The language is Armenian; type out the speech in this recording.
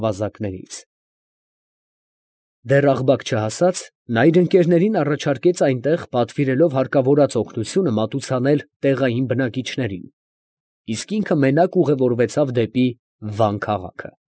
Ավազակներից… Դեռ Աղբակ չհասած, նա իր ընկերներին առաջարկեց այնտեղ, պատվիրելով հարկավորած օգնությունը մատուցանել տեղային բնակիչներին, իսկ ինքը մենակ ուղևորվեցավ դեպի Վան քաղաքը։